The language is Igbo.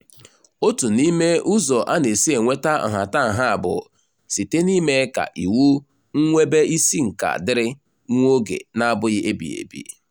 Otu n'ime ụzọ a na-esi enweta nhatanha a bụ site n'ime ka iwu nnwebeisinka dịrị nwa oge na-abụghị ebighịebi.